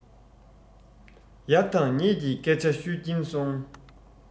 ཡག དང ཉེས ཀྱི སྐད ཆ ཤོད ཀྱིན སོང